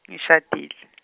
ngishadile .